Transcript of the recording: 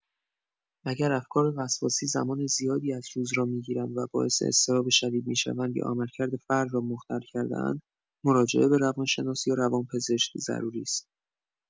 اگر افکار وسواسی زمان زیادی از روز را می‌گیرند، باعث اضطراب شدید می‌شوند یا عملکرد فرد را مختل کرده‌اند، مراجعه به روان‌شناس یا روان‌پزشک ضروری است.